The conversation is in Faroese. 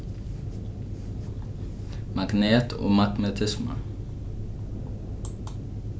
magnet og magnetisma